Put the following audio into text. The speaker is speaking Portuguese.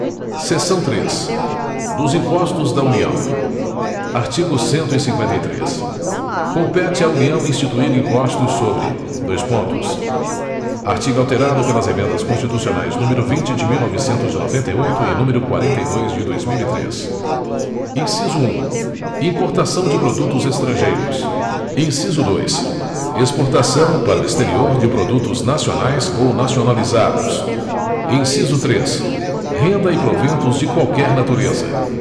seção três dos impostos da união artigo cento e cinquenta e três compete à união instituir impostos sobre dois pontos artigo alterado pelas emendas constitucionais número vinte de mil novecentos e noventa e oito e número quarenta e dois de dois mil e três inciso um importação de produtos estrangeiros inciso dois exportação para o exterior de produtos nacionais ou nacionalizados inciso três renda e proventos de qualquer natureza